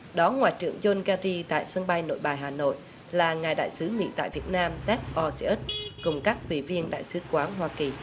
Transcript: đó ngoại trưởng dôn ke ri tại sân bay nội bài hà nội là ngài đại sứ mỹ tại việt nam tép o xi ớt cùng các ủy viên đại sứ quán hoa kỳ